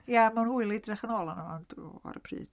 Ia ma'n hwyl edrych yn ôl arno fo ond ww ar y pryd...